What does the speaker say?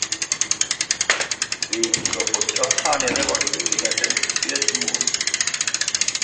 Vi innså fort at her nede var det muligheter, sier Moen.